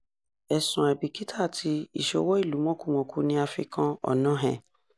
Ẹ̀sùn àìbìkítà àti ìṣowó-ìlú-mọ́kumọ̀ku ni a fi kan Onnoghen.